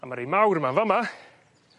A ma' rei mawr yma yn fa' 'ma